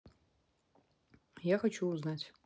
я хочу узнать